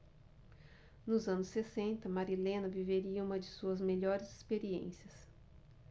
nos anos sessenta marilena viveria uma de suas melhores experiências